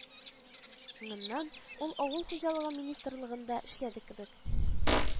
Ңыннан ул авыл хуҗалыгы министрлыгында эшләде кебек